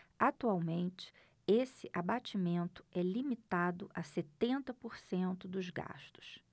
atualmente esse abatimento é limitado a setenta por cento dos gastos